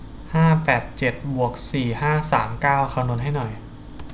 ห้าแปดเจ็ดบวกสี่ห้าสามเก้าคำนวณให้หน่อย